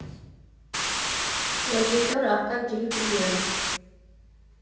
Ռեժիսոր՝ Արտակ Զիլֆիմյան։